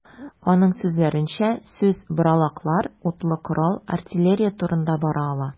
Аның сүзләренчә, сүз боралаклар, утлы корал, артиллерия турында бара ала.